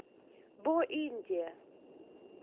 бо индия